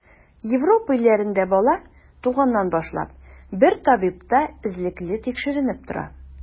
Европа илләрендә бала, туганнан башлап, бер табибта эзлекле тикшеренеп тора.